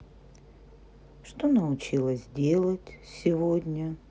что научилась делать сегодня